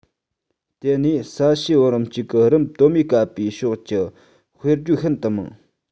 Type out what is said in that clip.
དེ ནས ས གཤིས བང རིམ གཅིག གི རིམ སྟོད མས བཀབ པའི ཕྱོགས ཀྱི དཔེར བརྗོད ཤིན ཏུ མང